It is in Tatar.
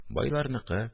– байларныкы